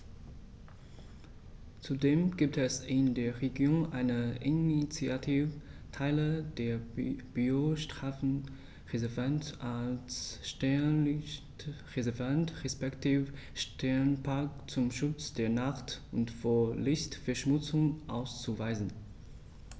Zudem gibt es in der Region eine Initiative, Teile des Biosphärenreservats als Sternenlicht-Reservat respektive Sternenpark zum Schutz der Nacht und vor Lichtverschmutzung auszuweisen.